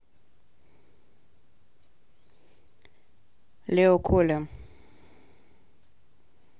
leo cole